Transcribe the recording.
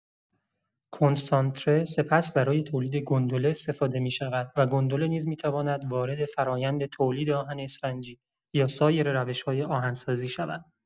کنسانتره سپس برای تولید گندله استفاده می‌شود و گندله نیز می‌تواند وارد فرایند تولید آهن اسفنجی یا سایر روش‌های آهن‌سازی شود.